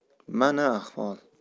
mana ahvol